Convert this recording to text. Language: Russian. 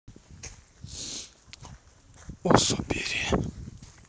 осибори